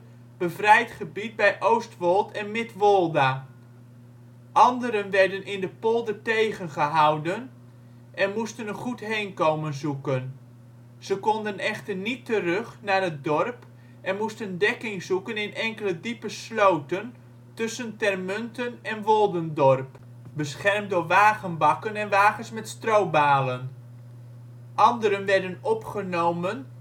bevrijd gebied bij Oostwold en Midwolda. Anderen werden in de polder tegen gehouden en moesten een goed heenkomen zoeken. Ze konden echter niet terug naar het dorp en moesten dekking zoeken in enkele diepe sloten tussen Termunten en Woldendorp, beschermd door wagenbakken en wagens met stroobalen. Anderen werden opgenomen